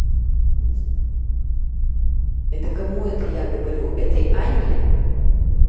это кому это я говорю этой анне